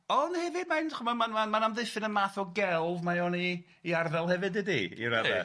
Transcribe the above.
...ond hefyd, mae'n 'dachi'bod, ma'n ma'n ma'n amddiffyn y math o gelf mae o'n ei ei arddel hefyd dydi, i radda'.